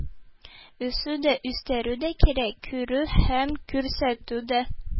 Үсү дә үстерү дә кирәк, күрү һәм күрсәтү дә.